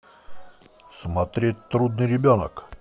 смотреть трудный ребенок